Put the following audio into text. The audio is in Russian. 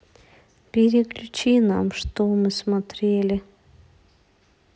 переключи нам что мы смотрели